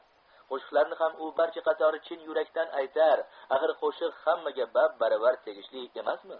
qo'shiqlarni ham u barcha qatori chin yurakdan ay tar axir qo'shiq hammaga bab baravar tegishli emasmi